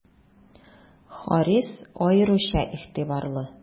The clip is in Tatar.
Харис аеруча игътибарлы.